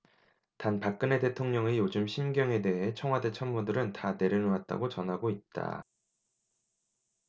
단박근혜 대통령의 요즘 심경에 대해 청와대 참모들은 다 내려놓았다고 전하고 있다